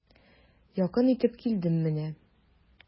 Якын итеп килдем менә.